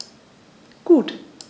Gut.